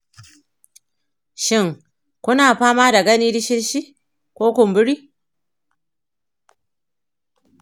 shin ku na fama da gani dushi-dushi ko kumburi